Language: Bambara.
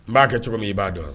N b'a kɛ cogo min i b'a dɔn wa